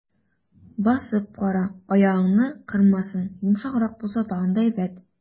Басып кара, аягыңны кырмасын, йомшаграк булса, тагын да әйбәт.